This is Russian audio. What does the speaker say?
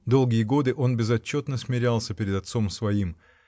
Долгие годы он безотчетно смирялся перед отцом своим